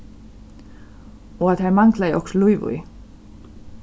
og at har manglaði okkurt lív í